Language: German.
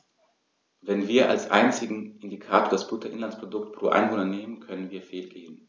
Wenn wir als einzigen Indikator das Bruttoinlandsprodukt pro Einwohner nehmen, können wir fehlgehen.